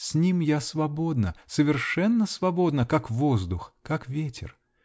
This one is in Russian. с ним я свободна, совершенно свободна, как воздух, как ветер.